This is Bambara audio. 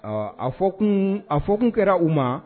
Ɔ a fɔ kun a fɔ kun kɛra u ma